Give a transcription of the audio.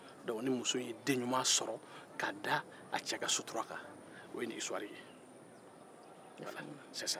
ni muso ye denɲuman sɔrɔ k'a da a cɛ ka sutura kan o ye nin hisituwari in ye walaa sɛ sa